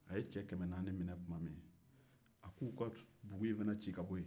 a ye cɛ 400 naani minɛ tuma min a k'u ka bugu in ci ka bɔ yen